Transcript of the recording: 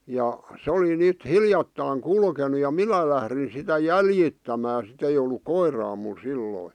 ja se oli nyt hiljattain kulkenut ja minä lähdin sitä jäljittämään sitten ei ollut koiraa minulla silloin